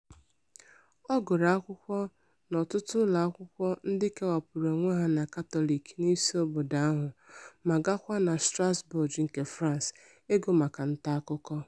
Ọ gụrụ akwụkwọ n'ọtụtụ ụlọ akwụkwọ ndị kewapuru onwe ha na Katọlik in isi obodo ahụ ma gaakwaa na Strasbourg nke France ịgụ maka nta akụkọ.